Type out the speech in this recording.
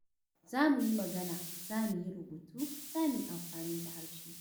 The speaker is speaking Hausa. Za mu yi magana, za mu yi rubutu, za mu yi amfani da harshe.